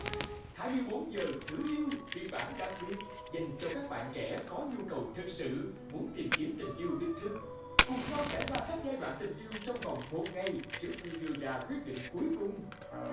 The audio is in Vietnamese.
hai mươi bốn giờ thử yêu phiên bản đặc biệt dành cho các bạn trẻ có nhu cầu thực sự muốn tìm kiếm tình yêu đích thực cùng nhau trải qua các giai đoạn tình yêu trong vòng một ngày trước khi đưa ra quyết định cuối cùng